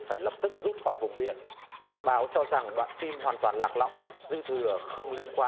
phải lập tức rút khỏi vùng biển các báo cho rằng đoạn phim hoàn toàn lạc lõng dư thừa không liên quan